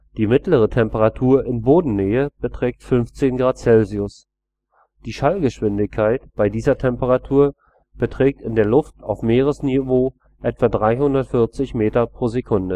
Die mittlere Temperatur in Bodennähe beträgt 15 °C; die Schallgeschwindigkeit bei dieser Temperatur beträgt in der Luft auf Meeresniveau etwa 340 m/s. Die